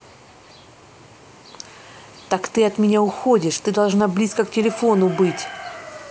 так ты от меня уходишь ты должна близко к телефону быть